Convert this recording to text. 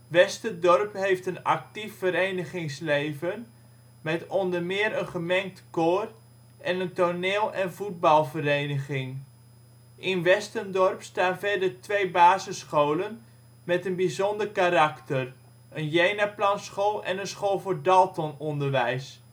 Westendorp heeft een actief verenigingsleven, met onder meer een gemengd koor en een toneel - en voetbalvereniging. In Westendorp staan verder twee basisscholen met een bijzonder karakter: een Jenaplanschool en een school voor Daltononderwijs